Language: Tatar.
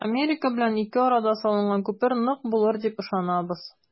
Америка белән ике арада салынган күпер нык булыр дип ышанабыз.